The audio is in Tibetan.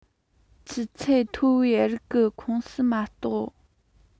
ཆུ ཚད མཐོ བའི རིགས གྱི ཁོངས སུ མི གཏོགས